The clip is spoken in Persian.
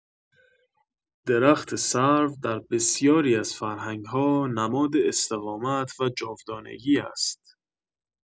درخت سرو در بسیاری از فرهنگ‌ها نماد استقامت و جاودانگی است.